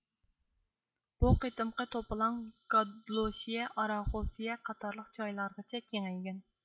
بۇ قېتىمقى توپىلاڭ گادلوشىيە ئاراخوسىيە قاتارلىق جايلارغىچە كېڭەيگەن